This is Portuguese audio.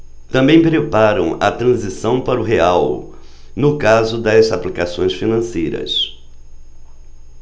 também preparam a transição para o real no caso das aplicações financeiras